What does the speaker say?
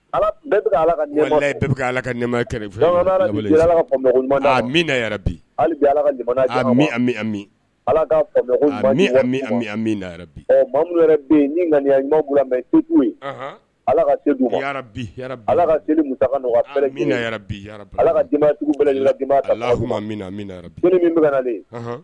Yanani